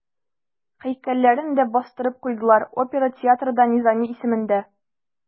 Һәйкәлләрен дә бастырып куйдылар, опера театры да Низами исемендә.